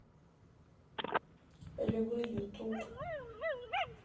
львы ютуб